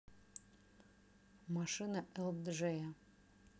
машина элджея